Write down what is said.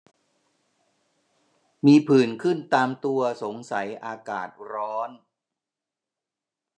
มีผื่นขึ้นตามตัวสงสัยอากาศร้อน